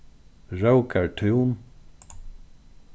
rókartún